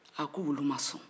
a ko wulu ma sɔn